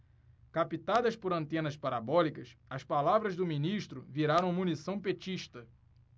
captadas por antenas parabólicas as palavras do ministro viraram munição petista